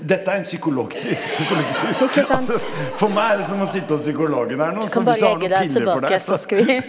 dette er en, altså for meg er det som å sitte hos psykologen her nå, så hvis du har noen piller for det her så.